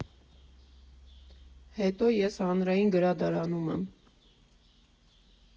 Հետո ես հանրային գրադարանում եմ։